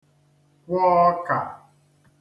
kwọ ọkà